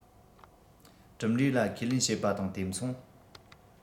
གྲུབ འབྲས ལ ཁས ལེན བྱེད པ དང དུས མཚུངས